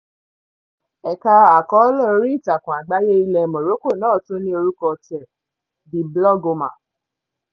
Ẹ̀ka àkọọ́lẹ̀ oríìtakùn àgbáyé ilẹ̀ Morocco náà tún ní orúkọ tiẹ̀ - the Blogoma.